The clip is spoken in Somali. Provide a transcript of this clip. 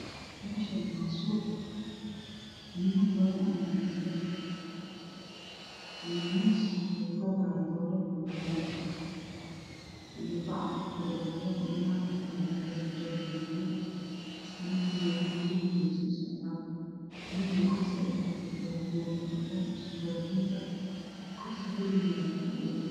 Meeshaani waa suuq niman badan ayaa joogo iyo miis wax lugu gadaayo dooro lugu gadaayo iyo bac wax ku daboolan oo naag agtaan tahay xijaab madow nin fanaanad madow na waa sii socdaa nina waa kursi ayuu kufadhiyaa wato fanaanad cadaan ad iyo surwaal buluug ah kursi buluug ah na waa ku fadhiyaa.